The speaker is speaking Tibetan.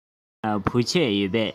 ཁྱེད རང ལ བོད ཆས ཡོད པས